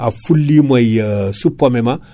a fullimo suppome ma